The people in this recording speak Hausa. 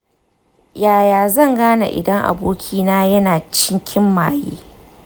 yaya zan gane idan abokina yana cikin maye?